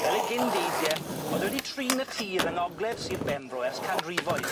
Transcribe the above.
Fel ei gyndeidie o'dd wedi trin y tir yng ngogledd Sir Benfro ers canrifoedd.